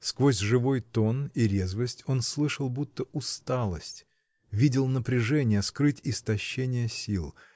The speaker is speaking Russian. Сквозь живой тон и резвость он слышал будто усталость, видел напряжение скрыть истощение сил.